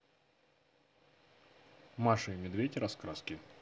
маша и медведь раскраски